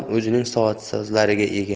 ham o'zining soatsozlariga ega